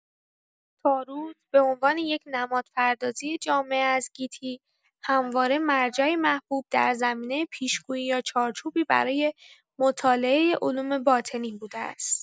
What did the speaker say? تاروت، به عنوان یک نمادپردازی جامع از گیتی، همواره مرجعی محبوب در زمینه پیشگویی یا چارچوبی برای مطالعه علوم باطنی بوده است.